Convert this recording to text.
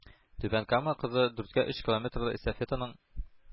Түбән Кама кызы дүрткә өч километрлы эстафетаның